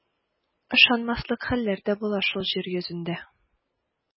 Ышанмаслык хәлләр дә була шул җир йөзендә.